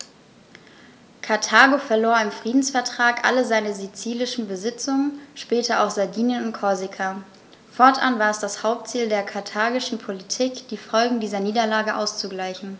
Karthago verlor im Friedensvertrag alle seine sizilischen Besitzungen (später auch Sardinien und Korsika); fortan war es das Hauptziel der karthagischen Politik, die Folgen dieser Niederlage auszugleichen.